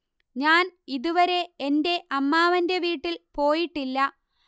ഞാൻ ഇതുവരെ എന്റെ അമ്മാവന്റെ വീട്ടിൽ പോയിട്ടില്ല